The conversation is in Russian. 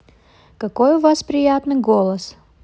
какой у вас приятный голос